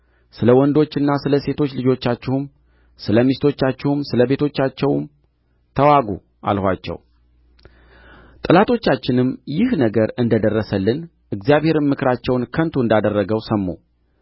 ስለ ወንዶችና ስለ ሴቶች ልጆቻችሁም ስለ ሚስቶቻችሁም ስለ ቤቶቻችሁም ተዋጉ አልኋቸው ጠላቶቻችንም ይህ ነገር እንደ ደረሰልን እግዚአብሔርም ምክራቸውን ከንቱ እንዳደረገው ሰሙ